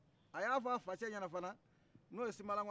a y'a fɔ a fa cɛ ɲana fana n'o ye sinbala kone ye